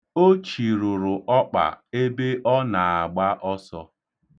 O chirụrụ ọkpa ebe ọ na-agba ọsọ.